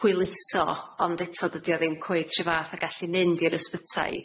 hwyluso, ond eto dydi o ddim cweit 'r un fath a gallu mynd i'r ysbytai.